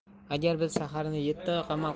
agar biz shaharni yetti oy qamal